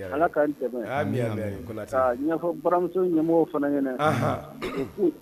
Ala ka tɛmɛ baramuso ɲɛmɔgɔ fana ɲɛna